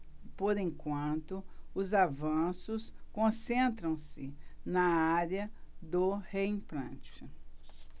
por enquanto os avanços concentram-se na área do reimplante